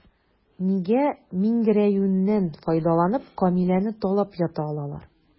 Нигә миңгерәюеннән файдаланып, Камиләне талап ята алар?